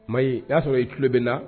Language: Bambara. Ma i y'a sɔrɔ i tulo bɛ na